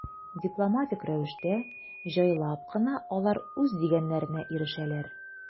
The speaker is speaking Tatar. Дипломатик рәвештә, җайлап кына алар үз дигәннәренә ирешәләр.